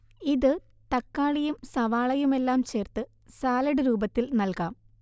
ഇത് തക്കാളിയും സവാളയുമെല്ലാം ചേർത്ത് സാലഡ് രൂപത്തിൽ നൽകാം